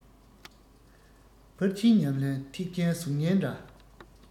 ཕར ཕྱིན ཉམས ལེན ཐེག ཆེན གཟུགས བརྙན འདྲ